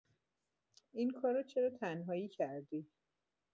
این کارو چرا تنهایی کردی؟